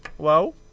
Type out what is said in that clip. waaw